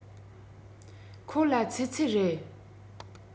ཁོ ལ ཚེ ཚད རེད